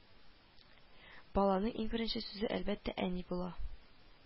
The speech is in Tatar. Баланың иң беренче сүзе, әлбәттә, Әни була